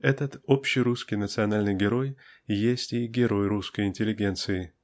--этот общерусский национальный герой есть и герой русской интеллигенции.